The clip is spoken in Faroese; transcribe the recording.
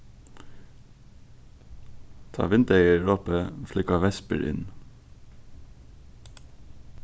tá vindeygað er opið flúgva vespur inn